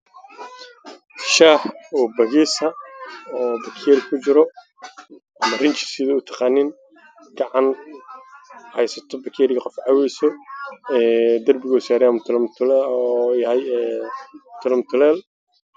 Waa gacan heyso bakeeri shah ah oo bigees ah